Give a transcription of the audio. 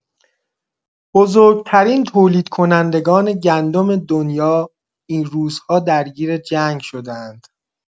بزرگ‌ترین تولیدکنندگان گندم دنیا این روزها درگیر جنگ شده‌اند.